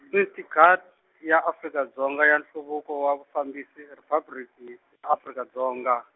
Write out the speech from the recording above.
Insticut- ya Afrika Dzonga ya Nhluvuko wa Vufambisi Riphabliki Afrika Dzonga.